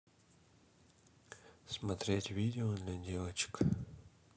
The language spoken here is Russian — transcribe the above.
смотреть видео для девочек